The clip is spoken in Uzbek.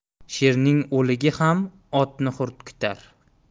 sherning o'hgi ham ot hurkitar